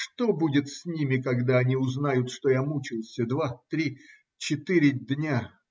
Что будет с ними, когда они узнают, что я мучился два, три, четыре дня!